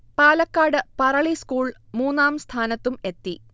Palakkad Parali school മൂന്നാം സ്ഥാനത്തും എത്തി